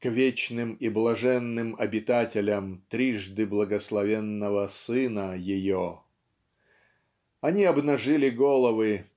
к вечным и блаженным обителям трижды благословенного Сына Ее. Они обнажили головы